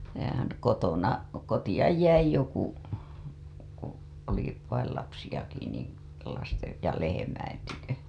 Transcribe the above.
ja kotona kotia jäi joku kun oli vain lapsiakin niin lasten ja lehmien tykö